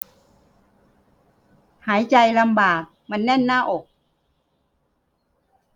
หายใจลำบากมันแน่นหน้าอก